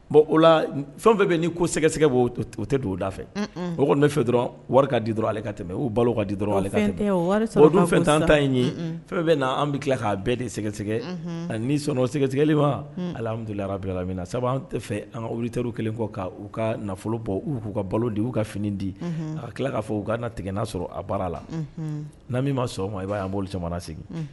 Bon o la fɛn bɛ ni ko sɛgɛsɛgɛ b o tɛ don oda fɛ mɔgɔ fɛ dɔrɔn wari ka di dɔrɔn ale ka tɛmɛ u balo ka di dɔrɔn ale fɛntan an ta ye fɛn bɛ' an bɛ tila k'a bɛɛ de sɛgɛsɛgɛ ani sɔn o sɛgɛsɛgɛli ma alabu la min na sabu an fɛ an kar kelen kɔ k' u ka nafolo bɔ u k'u ka balo de'u ka fini di ka tila k kaa fɔ ka tigɛ n'a sɔrɔ a bara la n'a min ma sɔn o ma i b' an' caman sigi